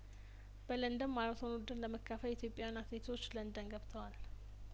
በለንደን ማራቶን ውድድር ለመካፈል ኢትዮጵያን አትሌቶች ለንደን ገብተዋል